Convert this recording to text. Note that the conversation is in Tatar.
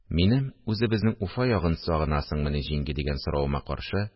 Минем: – Үзебезнең Уфа ягын сагынасыңмыни, җиңги? – дигән соравыма каршы